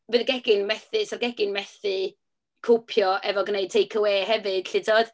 Fydd y gegin methu... 'sa'r gegin methu cowpio efo gwneud tecawê hefyd, 'lly tibod.